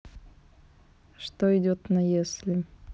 что идет на если